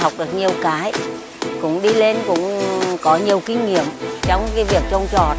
học được nhiều cái cũng đi lên cũng có nhiều kinh nghiệm trong cái việc trồng trọt